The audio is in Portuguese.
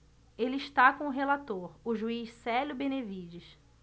ele está com o relator o juiz célio benevides